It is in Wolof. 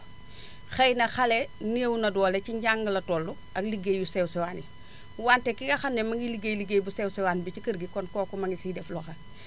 xëy na xale néew na doole ci njàng la toll ak ligéey yu sew sewaan yi wante ki nga xam ne mi ngi ligéey ligéey bu sew sewaan bi ci kër gi kon kooku ma ngi siy def loxa